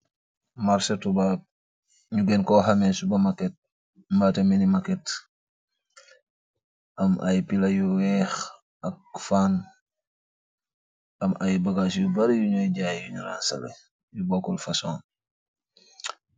marse tubab nu genn ko xamee su bamaket mbaate minimaket am ay pila yu weex ak faan am ay bagaas yu bari yunooy jaay yunuran sare yu bokkul fason.